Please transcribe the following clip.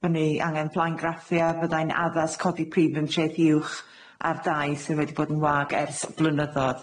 bo ni angen blaengraffu a fyddai'n addas codi primiym traeth uwch ar dai sydd wedi bod yn wag ers blynyddodd.